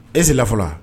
Ese la fɔlɔ